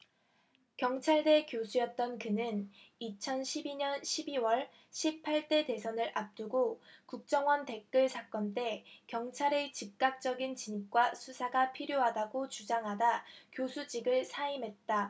경찰대 교수였던 그는 이천 십 이 년 십 이 월 십 팔 대 대선을 앞두고 국정원 댓글 사건 때 경찰의 즉각적인 진입과 수사가 필요하다고 주장하다 교수직을 사임했다